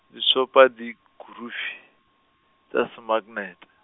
Disopadikurufi, tša semaknete.